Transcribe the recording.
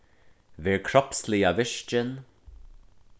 ver kropsliga virkin